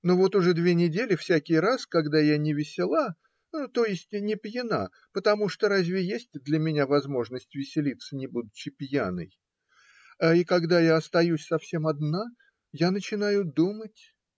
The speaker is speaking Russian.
Но вот уже две недели, всякий раз, когда я невесела, то есть не пьяна (потому что разве есть для меня возможность веселиться, не будучи пьяной?), и когда я остаюсь совсем одна, я начинаю думать.